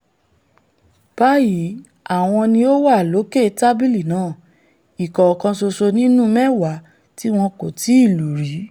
Báyìí àwọn ni ó wà lóòkè tábìlì náà, ikọ̀ kan ṣoṣo nínú mẹ́wàá tíwọn kò tíì lù rí.